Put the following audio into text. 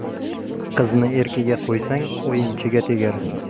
qizni erkiga qo'ysang o'yinchiga tegar